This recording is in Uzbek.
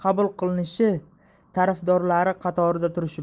qabul qilinishi tarafdorlari qatorida turishibdi